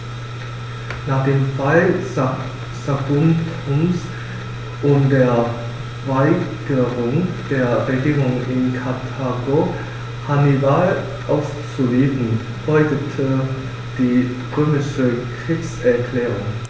Nach dem Fall Saguntums und der Weigerung der Regierung in Karthago, Hannibal auszuliefern, folgte die römische Kriegserklärung.